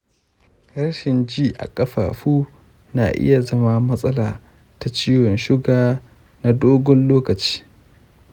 rashin ji a ƙafafu na iya zama matsala ta ciwon suga na dogon lokaci.